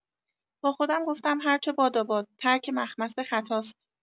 با خودم گفتم هرچه باداباد، ترک مخمصه خطاست!